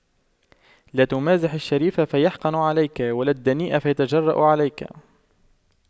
لا تمازح الشريف فيحنق عليك ولا الدنيء فيتجرأ عليك